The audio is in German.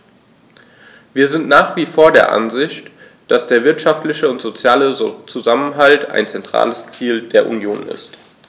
Wir sind nach wie vor der Ansicht, dass der wirtschaftliche und soziale Zusammenhalt ein zentrales Ziel der Union ist.